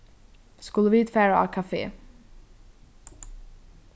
skulu vit fara á kafe